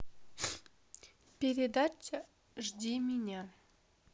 передача жди меня